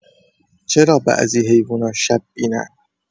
چرا بعضی حیونا شب‌بینن؟